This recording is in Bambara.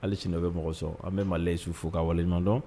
Hali sini o bɛ mɔgɔ sɔn, an bɛ malilait Yusu fo k'a waleɲumandɔn